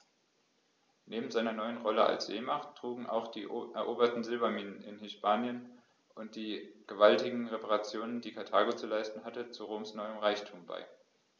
Neben seiner neuen Rolle als Seemacht trugen auch die eroberten Silberminen in Hispanien und die gewaltigen Reparationen, die Karthago zu leisten hatte, zu Roms neuem Reichtum bei.